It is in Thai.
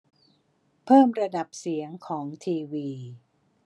เพิ่มระดับเสียงของทีวี